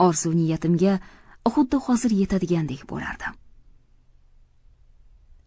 orzu niyatimga xuddi hozir yetadigandek bo'lardim